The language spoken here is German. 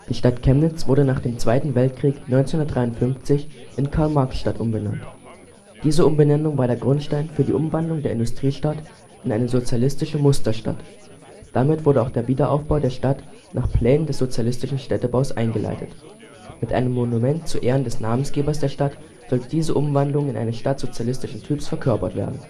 Stadt Chemnitz wurde nach dem Zweiten Weltkrieg 1953 in Karl-Marx-Stadt umbenannt. Diese Umbenennung war der Grundstein für die Umwandlung der Industriestadt in eine „ Sozialistische Musterstadt “. Damit wurde auch der Wiederaufbau der Stadt nach Plänen des sozialistischen Städtebaus eingeleitet. Mit einem Monument zu Ehren des Namensgebers der Stadt sollte diese Umwandlung in eine Stadt sozialistischen Typs verkörpert werden